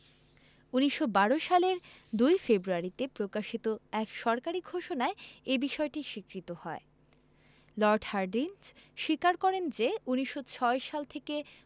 ১৯১২ সালের ২ ফেব্রুয়ারিতে প্রকাশিত এক সরকারি ঘোষণায় এ বিষয়টি স্বীকৃত হয় লর্ড হার্ডিঞ্জ স্বীকার করেন যে ১৯০৬ সাল থেকে